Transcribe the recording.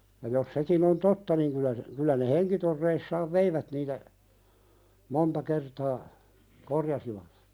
ja jos sekin on totta niin kyllä se kyllä ne henkitoreissaan veivät niitä monta kertaa korjasivat